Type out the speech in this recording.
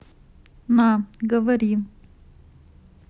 на говори